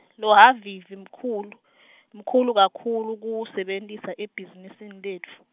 lohhavivi mkhulu , mkhulu kakhulu kuwusebentisa ebhizinisini letfu.